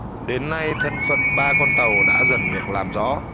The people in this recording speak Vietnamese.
đến nay thân phận ba con tàu đã dần được làm rõ